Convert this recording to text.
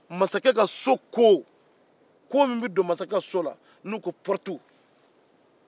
masakɛ ka so kon